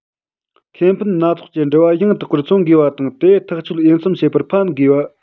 ཁེ ཕན སྣ ཚོགས ཀྱི འབྲེལ བ ཡང དག པར མཚོན དགོས པ དང དེ ཐག གཅོད འོས འཚམས བྱེད པར ཕན དགོས པ